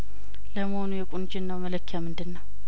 ለመሆኑ የቁንጅናው መለኪያምንድነው